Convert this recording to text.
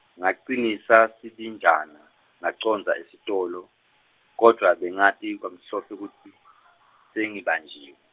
ngacinisa sibinjana, ngacondza esitolo, kodvwa bengati kamhlophe kutsi, sengibanjiwe.